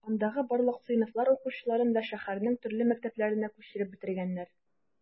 Андагы барлык сыйныфлар укучыларын да шәһәрнең төрле мәктәпләренә күчереп бетергәннәр.